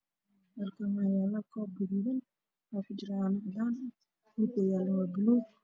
Waa koob midadkiisu yahay guduud waxaa lagu shubayaa caanaha cadaan ah miiska u saaran yahay waa buluug